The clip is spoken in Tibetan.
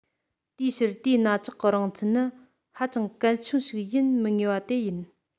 དེའི ཕྱིར དེའི རྣ ཅོག གི རིང ཚད ནི ཧ ཅང གལ ཆུང ཞིག ཡིན མི ངེས པ དེ ཡིན